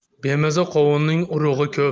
bemaza qovunning urug'i ko'p